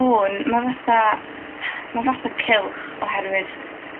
O'n ma' fetha ma' fatha cylch oherwydd